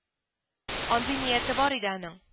—андый нияте бар иде аның